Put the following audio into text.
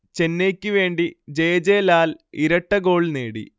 ചെന്നൈയ്ക്കു വേണ്ടി ജെ. ജെ ലാൽ ഇരട്ടഗോൾ നേടി